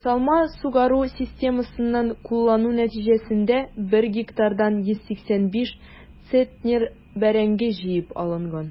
Ясалма сугару системасын куллану нәтиҗәсендә 1 гектардан 185 центнер бәрәңге җыеп алынган.